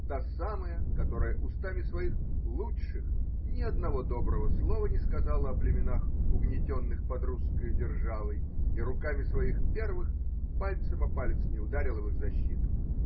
та самая, которая устами своих лучших ни одного доброго слова не сказала о племенах, угнетенных под русскою державой, и руками своих первых пальцем о палец не ударила в их защиту